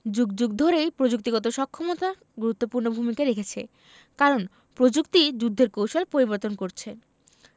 যুগ যুগ ধরেই প্রযুক্তিগত সক্ষমতা গুরুত্বপূর্ণ ভূমিকা রেখেছে কারণ প্রযুক্তিই যুদ্ধের কৌশল পরিবর্তন করছে